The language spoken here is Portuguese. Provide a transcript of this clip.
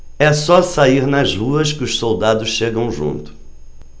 é só sair nas ruas que os soldados chegam junto